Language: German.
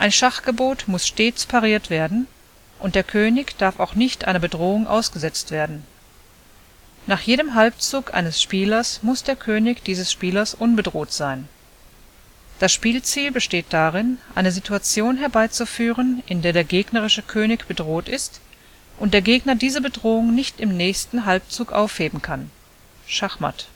Schachgebot muss stets pariert werden, und der König darf auch nicht einer Bedrohung ausgesetzt werden: nach jedem Halbzug eines Spielers muss der König dieses Spielers unbedroht sein. Das Spielziel besteht darin, eine Situation herbeizuführen, in der der gegnerische König bedroht ist und der Gegner diese Bedrohung nicht im nächsten Halbzug aufheben kann (Schachmatt